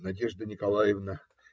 - Надежда Николаевна!